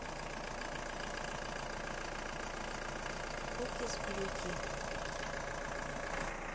кукис бьюти